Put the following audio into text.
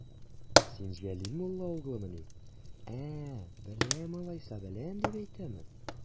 Син Җәләл мулла угълымыни, ә, беләм алайса, беләм дип әйтәме?